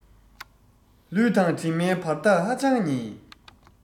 ལུས དང གྲིབ མའི བར ཐག ཧ ཅང ཉེ